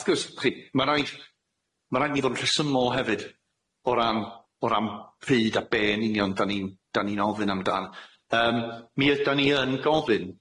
Wth gwrs chi ma' raid ma' raid i ni fod yn rhesymol hefyd o ran o ran pryd a be' yn union dan ni'n dan ni'n ofyn amdan yym mi ydan ni yn gofyn